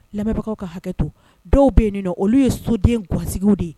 Lamɛnbagaw ka hakɛ to dɔw bɛ yen nin nɔ olu ye soden gasigiw de ye